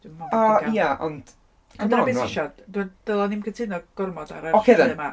Dw'm yn meddwl bo' nhw'n cael... Yy, ia ond, cym on 'wan... Dyna beth sy isio dy- dylie ni'm cytuno gormod ar yr sioe 'ma.